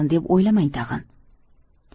deb o'ylamang tag'in